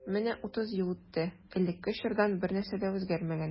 Менә утыз ел үтте, элекке чордан бернәрсә дә үзгәрмәгән.